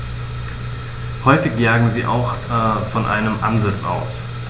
Häufig jagen sie auch von einem Ansitz aus.